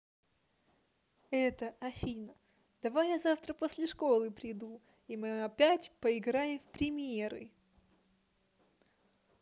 это афина давай я завтра после школы приду и мы опять поиграем в примеры